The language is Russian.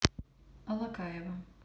алакаева